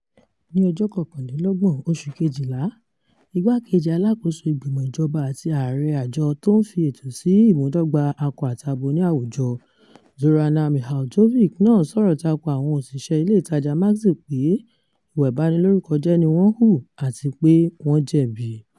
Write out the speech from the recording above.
Ní 31 oṣù kejìlá, Igbá-kejì Alákòóso Ìgbìmọ̀ Ìjọba àti Ààrẹ Àjọ-tí-ó-ń-fètò-sí Ìmúdọ́gba Akọ-àtabo ní àwùjọ, Zorana Mihajlović náà sọ̀rọ̀ tako àwọn òṣìṣẹ́ ilé ìtajà Maxi pé “ìwà ìbanilórúkọjẹ́ ni wọ́n hù àti pé wọ́n jẹ̀bi.